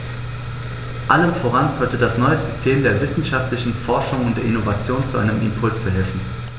Allem voran sollte das neue System der wissenschaftlichen Forschung und der Innovation zu einem Impuls verhelfen.